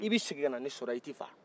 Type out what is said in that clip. i bi segin kana ne sɔrɔ yan i tɛ faga